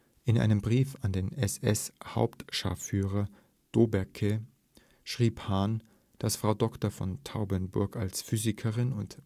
In einem Brief an den SS-Hauptscharführer Dobberke schrieb Hahn, dass „ Frau Dr. von Traubenberg als Physikerin und